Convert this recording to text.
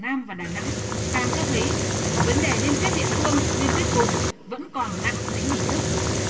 nam và đà nẵng càng cho thấy vấn đề liên kết địa phương liên kết vùng vẫn còn nặng tính hình thức